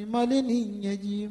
Manden y' ɲɛji ye